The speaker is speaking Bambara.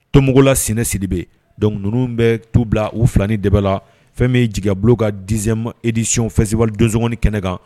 Toonmɔgɔw lassi de bɛ don ninnu bɛ tuu bila u fila de la fɛn bɛ jiginbu ka dizme ediyon fɛsi don kɛnɛ kan